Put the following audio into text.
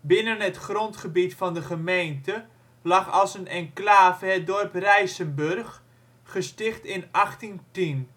Binnen het grondgebied van de gemeente lag als een enclave het dorp Rijsenburg, gesticht in 1810.